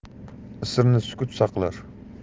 sirni sukut saqlar